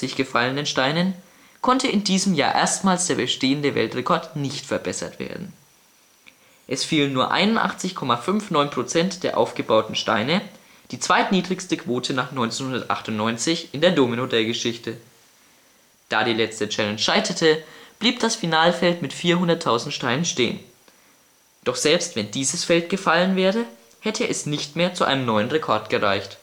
gefallenen Steinen konnte in diesem Jahr erstmals der bestehende Weltrekord nicht verbessert werden. Es fielen nur 81,59 % der aufgebauten Steine, die zweitniedrigste Quote nach 1998 in der Domino-Day-Geschichte. Da die letzte Challenge scheiterte, blieb das Final-Feld mit 400.000 Steinen stehen. Doch selbst wenn dieses Feld gefallen wäre, hätte es nicht mehr zu einem neuen Rekord gereicht